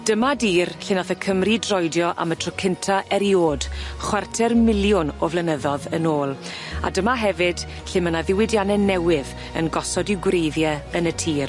Dyma dir lle nath y Cymry droedio am y tro cynta eriôd chwarter miliwn o flynyddodd yn ôl a dyma hefyd lle ma' 'na ddiwydianne newydd yn gosod i'w gwreiddiau yn y tir.